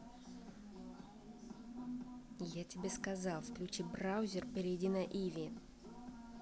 я тебе сказал включи браузер перейди на ivi